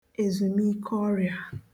èzùmikeọrịà